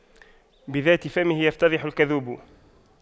بذات فمه يفتضح الكذوب